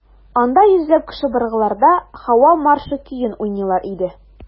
Анда йөзләп кеше быргыларда «Һава маршы» көен уйныйлар иде.